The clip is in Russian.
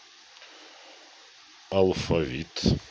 алфавит